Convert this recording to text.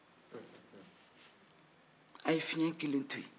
a ' ye fiɲɛ kelen to yen